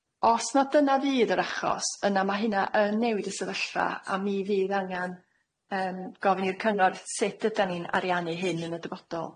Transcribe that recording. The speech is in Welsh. Os 'na dyna fydd yr achos yna ma' hynna yn newid y sefyllfa a mi fydd angan yym gofyn i'r cyngor sut ydan ni'n ariannu hyn yn y dyfodol.